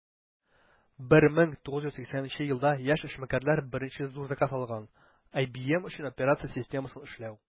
1980 елда яшь эшмәкәрләр беренче зур заказ алган - ibm өчен операция системасын эшләү.